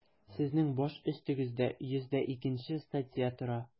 Сезнең баш өстегездә 102 нче статья тора.